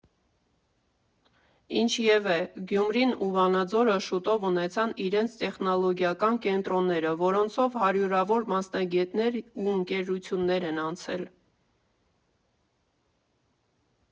Ինչևէ, Գյումրին ու Վանաձորը շուտով ունեցան իրենց տեխնոլոգիական կենտրոնները, որոնցով հարյուրավոր մասնագետներ ու ընկերություններ են անցել։